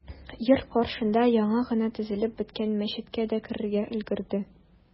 Йорт каршында яңа гына төзелеп беткән мәчеткә дә керергә өлгерде.